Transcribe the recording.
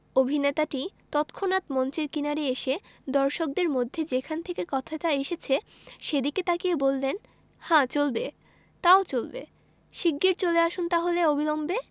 অভিনেতাটি তৎক্ষনাত মঞ্চের কিনারে এসে দর্শকদের মধ্যে যেখান থেকে কথাটা এসেছে সেদিকে তাকিয়ে বললেন হ্যাঁ চলবে তাও চলবে শিগগির চলে আসুন তাহলে অবিলম্বে